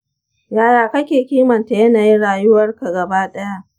yaya kake kimanta yanayin rayuwarka gaba ɗaya?